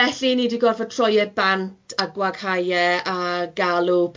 Felly ni 'di gorfod troi e bant a gwaghau e a galw